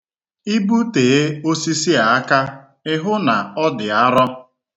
I butee osisi a aka ị hụ na ọ dị arọ.